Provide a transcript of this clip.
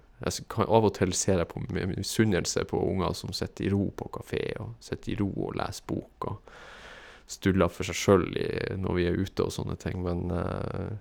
Jeg s kan av og til se det på med misunnelse på unger som sitt i ro på kafé og sitt i ro og les bok og stuller for seg sjøl i når vi er ute og sånne ting, men...